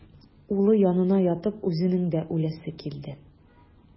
Улы янына ятып үзенең дә үләсе килде.